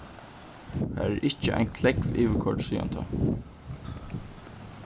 har er ikki ein klógv yvirkoyrd síðani tá